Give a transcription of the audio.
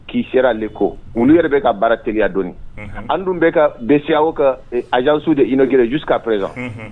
K'i sera ale ko olu yɛrɛ bɛ ka baara terieliya dɔnni an dun bɛ ka dɛsɛya ka ajanso de ijusu ka perez